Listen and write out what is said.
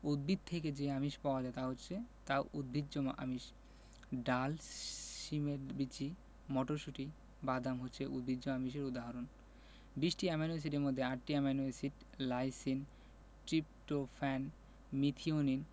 উদ্ভিদ থেকে যে আমিষ পাওয়া যায় তা উদ্ভিজ্জ আমিষ ডাল শিমের বিচি মটরশুঁটি বাদাম হচ্ছে উদ্ভিজ্জ আমিষের উদাহরণ ২০টি অ্যামাইনো এসিডের মধ্যে ৮টি amino acid lysine tryptophan methionine